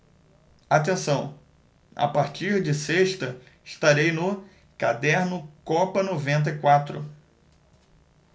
atenção a partir de sexta estarei no caderno copa noventa e quatro